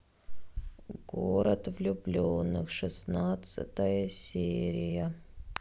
город влюбленных шестнадцатая серия